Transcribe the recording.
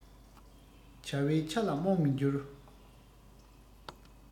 བྱ བའི ཆ ལ རྨོངས མི འགྱུར